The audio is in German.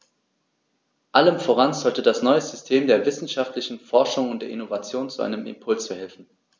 Allem voran sollte das neue System der wissenschaftlichen Forschung und der Innovation zu einem Impuls verhelfen.